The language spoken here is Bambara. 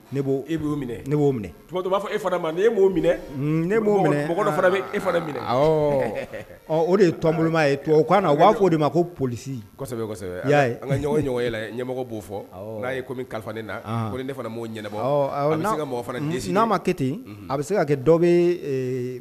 Ne e'o b'a fɔ e fana ma minɛ fana bɛ e fana minɛ o de ye tɔn ye'a u'a fɔ o de ma ko poli an ka ɲɔgɔn la ɲɛmɔgɔ b'o fɔ'a ye kalifa na ko ne fana mɔgɔw'o ɲɛnaɛnɛba bɛ se mɔgɔ nci sini n'a ma kɛ ten a bɛ se ka kɛ dɔ bɛ